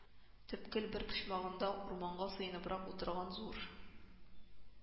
Төпкел бер почмагында, урманга сыеныбрак утырган зур